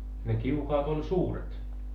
ne kiukaat oli suuret